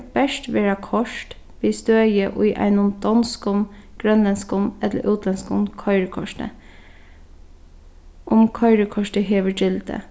bert verða koyrt við støði í einum donskum grønlendskum ella útlendskum koyrikorti um koyrikortið hevur gildi